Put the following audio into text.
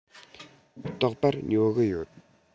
རྟག པར ཉོ གི ཡོད